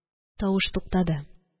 Тавыш туктады